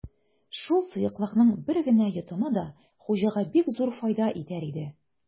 Шул сыеклыкның бер генә йотымы да хуҗага бик зур файда итәр иде.